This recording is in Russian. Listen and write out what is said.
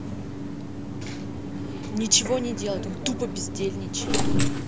ничего не делает он тупо бездельничает